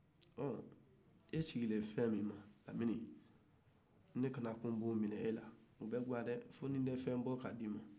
e sigilen do fɛn min kan ne kana ko nbɛ o minɛ e la i y'arɔ o ka gɛlɛn de fɔ ni ne ye fɛn dɔ di e ma